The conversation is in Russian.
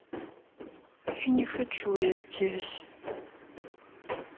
я не хочу я здесь